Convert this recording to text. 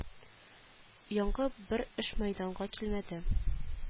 Яңгы бер эш мәйданга килмәде